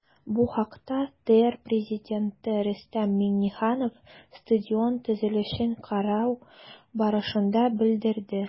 Бу хакта ТР Пррезиденты Рөстәм Миңнеханов стадион төзелешен карау барышында белдерде.